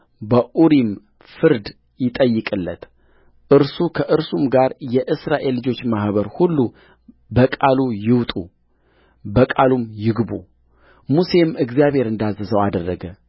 በኡሪም ፍርድ ይጠይቅለት እርሱ ከእርሱም ጋር የእስራኤል ልጆች ማኅበር ሁሉ በቃሉ ይውጡ በቃሉም ይግቡሙሴም እግዚአብሔር እንዳዘዘው አደረገ